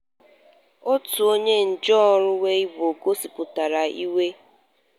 Otu onye njiarụ Weibo gosipụtara iwe: